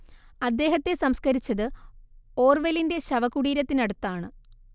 അദ്ദേഹത്തെ സംസ്കരിച്ചത് ഓർവെലിന്റെ ശവകുടീരത്തിനടുത്താണ്